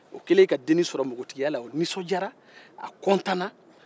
o kɛlen ka dennin sɔrɔ npogotigiya la o nisɔndiya a kɔntana